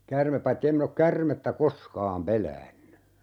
käärme paitsi en minä ole käärmettä koskaan pelännyt